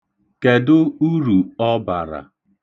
Kedụ uru ọ bara?